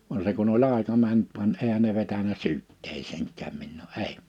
vaan se kun oli aika mennyt vaan eihän ne vetänyt syytteeseenkään minua ei